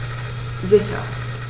Sicher.